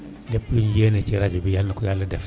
lépp luy yéene ci rajo bi yàlla na ko yàlla def ci barke